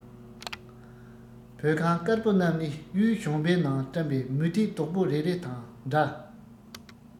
བོད ཁང དཀར པོ རྣམས ནི གཡུའི གཞོང པའི ནང བཀྲམ པའི མུ ཏིག རྡོག པོ རེ རེ དང འདྲ